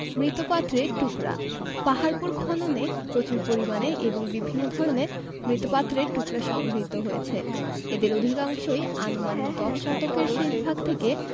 মুৎপাত্রের টুকরাঃ পাহাড়পুর খননে প্রচুর পরিমাণ এবং বিভিন্ন ধরনের মৃৎপাত্রের টুকরা সংগৃহীত হয়েছে এদের অধিকাংশই আনুমানিক দশ শতকের শেষভাগ থেকে